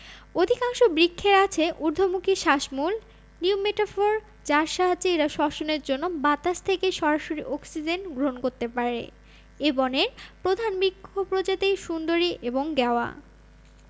অধিকাংশ বৃক্ষের আছে ঊর্ধ্বমুখী শ্বাসমূল নিউমেটাফোর যার সাহায্যে এরা শ্বসনের জন্য বাতাস থেকে সরাসরি অক্সিজেন গ্রহণ করতে পারে এ বনের প্রধান বৃক্ষ প্রজাতি সুন্দরী এবং গেওয়া